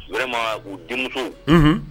Wɛrɛ ko denmuso